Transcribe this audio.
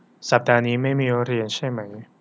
สัปดาห์นี้ไม่มีเรียนใช่ไหม